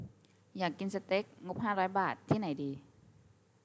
อยากกินสเต็กงบห้าร้อยบาทที่ไหนดี